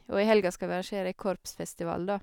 Og i helga skal vi arrangere korpsfestival, da.